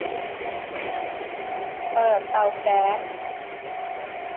เปิดเตาแก๊ส